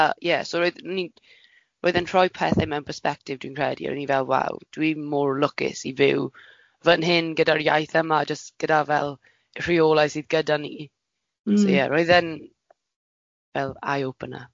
A ie so roeddwn i'n. Roedd e'n rhoi pethau mewn persbectif, dwi'n credu. O'n i fel, waw, dwi mor lwcus i byw fan hyn gyda'r iaith yma, jyst gyda fel rheolau sydd gyda ni. So yeah, roedd e'n, well, eye-opener.